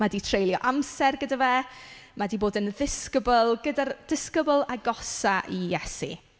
Ma' 'di treulio amser gyda fe ma' 'di bod yn ddisgybl gyda'r... disgybl agosa i Iesu.